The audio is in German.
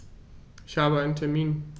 Ich habe einen Termin.